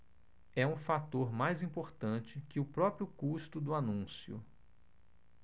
é um fator mais importante que o próprio custo do anúncio